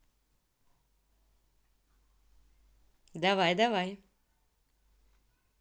давай давай